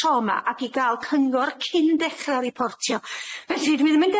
troma ac i ga'l cyngor cyn dechra reportio felly dwi ddim yn